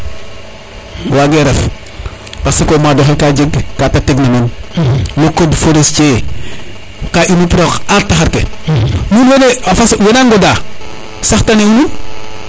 wage ref parce que o mado xeka jeg ka te teg na men no code forestier ka inu pour a ar taxar ke nuun wene fas wena ngoda sax tane u nuun